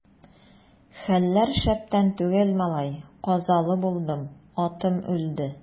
Хәлләр шәптән түгел, малай, казалы булдым, атым үлде.